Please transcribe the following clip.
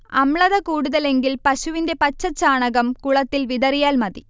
അമ്ലത കൂടുതലെങ്കിൽ പശുവിന്റെ പച്ചച്ചാണകം കുളത്തിൽ വിതറിയാൽമതി